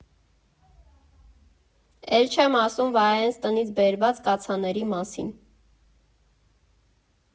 Էլ չեմ ասում Վահեենց տնից բերված կաթսաների մասին։